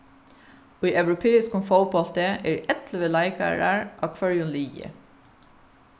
í europeiskum fótbólti eru ellivu leikarar á hvørjum liði